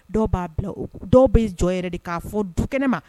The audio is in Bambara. Dɔw b'a bila dɔw bɛ jɔ yɛrɛ de k'a fɔ du kɛnɛ ma